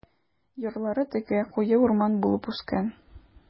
Ярлары текә, куе урман булып үскән.